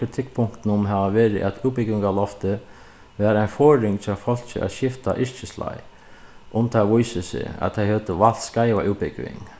kritikkpunktunum hava verið at útbúgvingarloftið var ein forðing hjá fólki at skifta yrkisleið um tað vísir seg at tey høvdu valt skeiva útbúgving